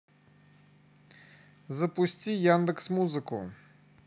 запусти яндекс музыку